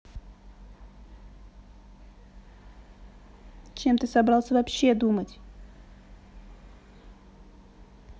чем ты собрался вообще думать